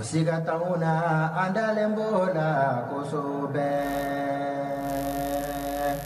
Si ka taa la an ntalenbɔ lagoso bɛ